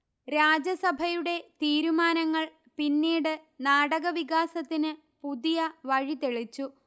രാജസഭയുടെ തീരുമാനങ്ങൾ പിന്നീട് നാടകവികാസത്തിന് പുതിയ വഴി തെളിച്ചു